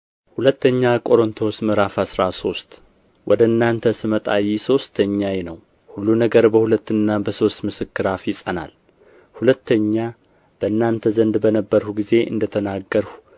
ሁለተኛ ቆሮንቶስ ምዕራፍ አስራ ሶስት ወደ እናንተ ስመጣ ይህ ሦስተኛዬ ነው ሁሉ ነገር በሁለትና በሦስት ምስክር አፍ ይጸናል ሁለተኛ በእናንተ ዘንድ በነበርሁ ጊዜ እንደ ተናገርሁ